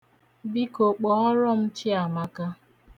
Biko kpọọrọ m Chiamaka.